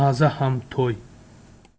aza ham to'y